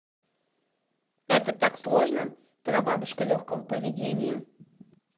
это так сложно прабабушка легкого поведения